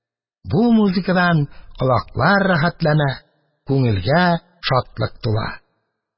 Бу музыкадан колаклар рәхәтләнә, күңелгә шатлык тула.